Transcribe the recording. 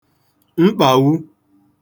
mkpàwu